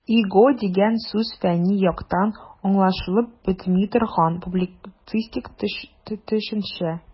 "иго" дигән сүз фәнни яктан аңлашылып бетми торган, публицистик төшенчә.